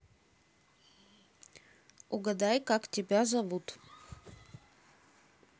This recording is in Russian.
угадай как тебя зовут